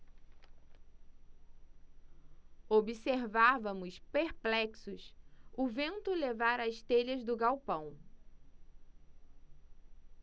observávamos perplexos o vento levar as telhas do galpão